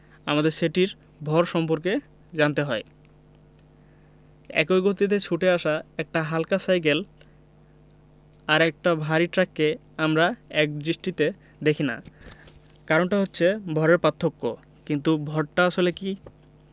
আমাদের সেটির ভর সম্পর্কে জানতে হয় একই গতিতে ছুটে আসা একটা হালকা সাইকেল আর একটা ভারী ট্রাককে আমরা একদৃষ্টিতে দেখি না তার কারণটা হচ্ছে ভরের পার্থক্য কিন্তু ভরটা আসলে কী